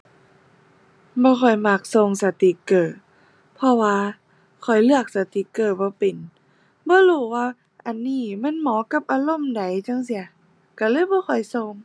บ่ค่อยมักส่งสติกเกอร์ เพราะว่าข้อยเลือกสติกเกอร์บ่เป็น บ่รู้ว่าอันนี้มันเหมาะกับอารมณ์ใดจั่งซี้ ก็เลยบ่ค่อยส่ง